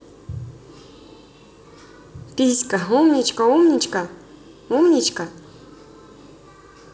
писька умничка умничка умничка